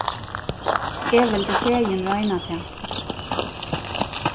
eg vildi fegin royna tað